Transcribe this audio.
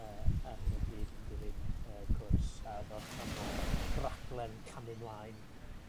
yrr ar hyn o bryd yn dilyn yrr cwrs yrr fel rhan o raglen camu 'mlaen.